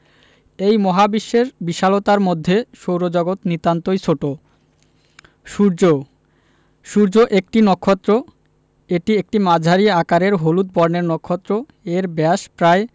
এই মহাবিশ্বের বিশালতার মধ্যে সৌরজগৎ নিতান্তই ছোট সূর্যঃ সূর্য একটি নক্ষত্র এটি একটি মাঝারি আকারের হলুদ বর্ণের নক্ষত্র এর ব্যাস প্রায়